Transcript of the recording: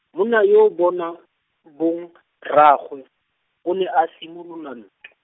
monna yo bona, bong, rraagwe , o ne a simolola nt-.